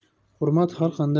hurmat har qanday